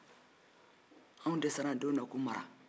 anw dɛsɛra an denw na k'u mara